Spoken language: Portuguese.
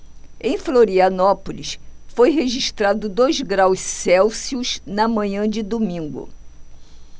em florianópolis foi registrado dois graus celsius na manhã de domingo